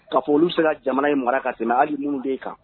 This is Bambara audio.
Ka foli olu sera jamana in mara ka tɛmɛ hali minnu de kan